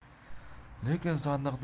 lekin sandiqni otlariga